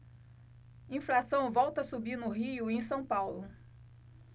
inflação volta a subir no rio e em são paulo